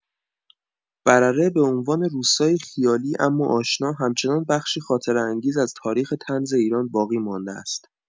برره به عنوان روستایی خیالی اما آشنا، همچنان بخشی خاطره‌انگیز از تاریخ طنز ایران باقی‌مانده است.